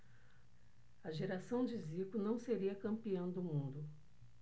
a geração de zico não seria campeã do mundo